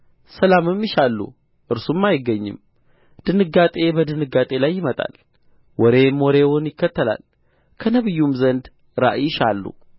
ሰላምም ይሻሉ እርሱም አይገኝም ድንጋጤ በድንጋጤ ላይ ይመጣል ወሬም ወሬውን ይከተላል ከነቢዩም ዘንድ ራዕይን ይሻሉ